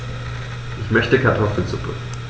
Ich möchte Kartoffelsuppe.